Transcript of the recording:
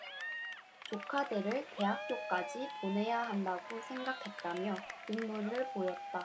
조카들을 대학교까지 보내야한다고 생각했다며 눈물을 보였다